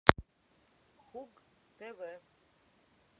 хуг тв